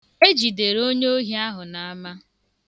Ejidere onye ohi ahụ n'ama.